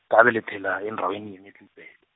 ngabelethelwa, endaweni ye- Middelburg .